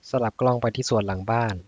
สลับกล้องไปที่สวนหลังบ้าน